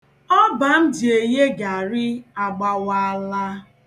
Ọba m ji eghe garị agbawaala.